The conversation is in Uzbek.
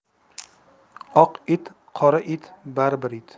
oq it qora it bari bir it